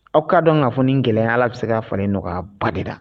Aw k kaa dɔn ka' fɔ ni kɛlɛ ala bɛ se k kaa fa nɔgɔya ba de la